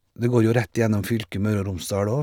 Det går jo rett gjennom fylket Møre og Romsdal òg.